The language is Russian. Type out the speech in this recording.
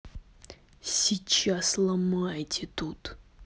сейчас ломаете тут